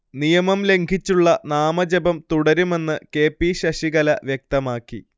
നിയമം ലംഘിച്ചുള്ള നാമജപം തുടരുമെന്ന് കെ പി ശശികല വ്യക്തമാക്കി